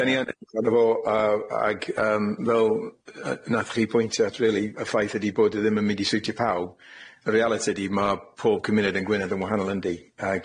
'Dan ni yn yy a- ag yym fel yy nathoch chi pwyntio at rili y ffaith ydi bod e ddim yn mynd i siwtio pawb, y realiti ydi ma' pob cymuned yn Gwynedd yn wahanol yndi?